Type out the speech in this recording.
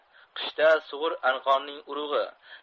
qishda sug'ur anqoning urug'i